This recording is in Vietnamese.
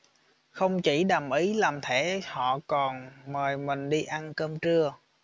không chỉ đồng ý làm thẻ họ còn mời mình đi ăn cơm trưa